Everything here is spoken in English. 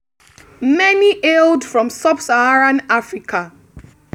Many hailed from sub-Saharan Africa.